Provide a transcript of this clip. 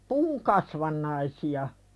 puun kasvannaisia